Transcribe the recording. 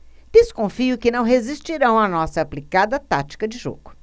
desconfio que não resistirão à nossa aplicada tática de jogo